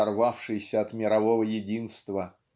оторвавшейся от мирового единства.